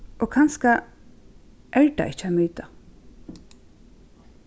og kanska er tað ikki ein myta